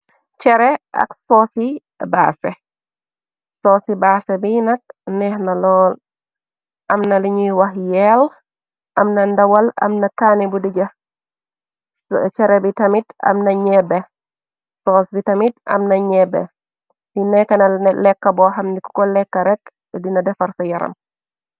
Cheré ak soosi basé soosi basé bi nak nèèx na lool am na lañuy wax yeel am na ndawal amna kaani bu dija ceré bi tamit am na ñebeh, soos bi tamit am na ñebeh li nekka na lekka boo xamni kuko lekka rek dina defar sa yaram.